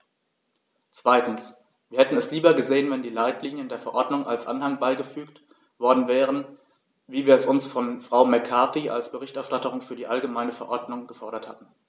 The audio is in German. Zweitens: Wir hätten es lieber gesehen, wenn die Leitlinien der Verordnung als Anhang beigefügt worden wären, wie wir es von Frau McCarthy als Berichterstatterin für die allgemeine Verordnung gefordert hatten.